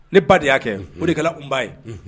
Ne ba de y'a kɛ unhuno de kɛla un ba ye unhun